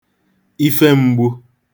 ife mgbu